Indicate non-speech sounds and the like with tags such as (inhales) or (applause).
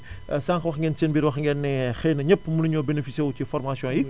(inhales) sànq wax ngeen si seen biir i wax ngeen ne xëy na ñëpp mënuñu ñoo bmutuelle :fraéficié wu ci formations yi